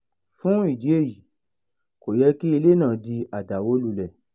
Fún ìdí èyí, kò yẹ kí ilé náà di àdàwólulẹ̀.